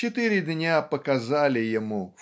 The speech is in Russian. "Четыре дня" показали ему